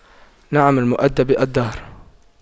نعم المؤَدِّبُ الدهر